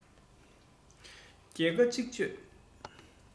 བརྒྱ ཁ གཅིག གཅོད